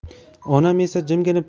onam esa jimgina